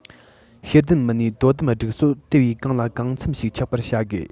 ཤེས ལྡན མི སྣའི དོ དམ སྒྲིག སྲོལ དེ བས གང ལ གང འཚམ ཞིག ཆགས པར བྱ དགོས